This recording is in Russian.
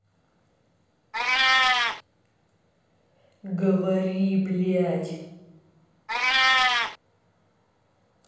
говори блядь